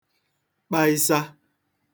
kpaị̀sa